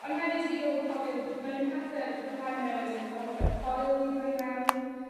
On' hefyd ni gorfo cofio ma' 'na pethe ma' rhai menywod yn cael fatha'r coil 'di rhoi mewn.